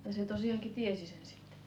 ja se tosiaankin tiesi sen sitten